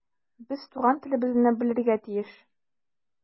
Без туган телебезне белергә тиеш.